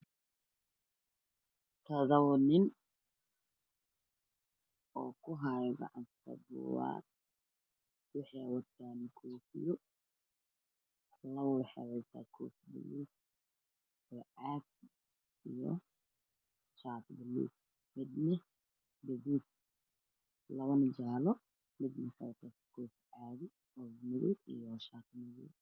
Halkan waa nin kuhayagacanta buugaag waxay wataan koofiyado iyo caag iyo labamajaalo